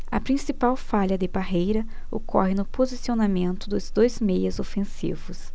a principal falha de parreira ocorre no posicionamento dos dois meias ofensivos